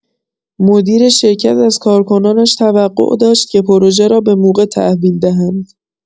مدیر شرکت از کارکنانش توقع داشت که پروژه را به‌موقع تحویل دهند.